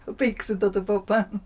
Odd beics yn dod o bobman.